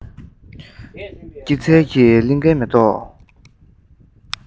སྐྱེད ཚལ གྱི གླིང གའི མེ ཏོག